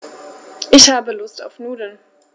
Ich habe Lust auf Nudeln.